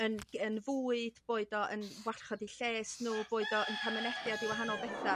yn yn fwyd boed o yn warchod i lles n'w boed o'n ca'l mynediad i wahanol betha'